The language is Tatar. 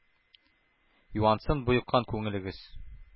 Юансын боеккан күңлегез.